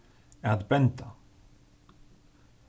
at benda